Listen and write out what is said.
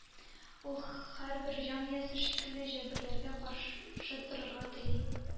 Ул, һәрбер җан иясе шикелле, җәберләргә каршы торырга тели.